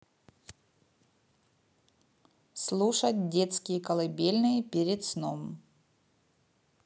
слушать детские колыбельные перед сном